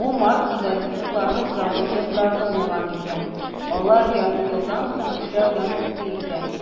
Бу маркадагы дискларның завод брагы булган икән - алар ярты елдан соң эшләүдән туктый икән;